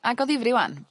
ag o ddifry 'wan